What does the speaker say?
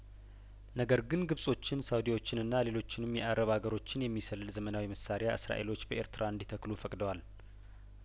ነገር ግን ግብጾችን ሳኡዲዎችንና ሌሎችንም የአረብ አገሮችን የሚሰልል ዘመናዊ መሳሪያእስራኤሎች በኤርትራ እንዲ ተክሉ ፈቅደዋል